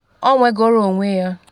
Ọ nwegoro onwe ya.